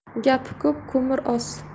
gap ko'p ko'mir oz